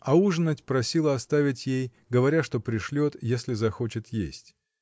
А ужинать просила оставить ей, говоря, что пришлет, если захочет есть.